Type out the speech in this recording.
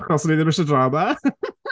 achos o'n i ddim isie drama!